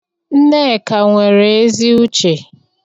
Nneka nwere ezi uche.